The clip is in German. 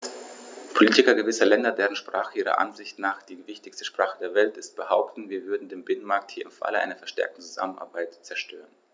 Politiker gewisser Länder, deren Sprache ihrer Ansicht nach die wichtigste Sprache der Welt ist, behaupten, wir würden den Binnenmarkt hier im Falle einer verstärkten Zusammenarbeit zerstören.